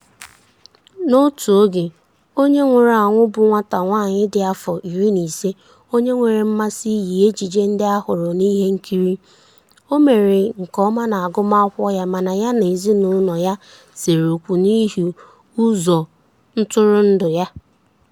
N'otu oge, onye nwụrụ anwụ bụ nwata nwaanyị dị afọ 15 onye nwere mmasi iyi ejiji ndị a hụrụ n'ihe nkiri. O mere nke ọma n'agụmakwụkwọ ya mana ya na ezinụlọ ya sere okwu n'ihi ụzọ ntụrụndụ ya.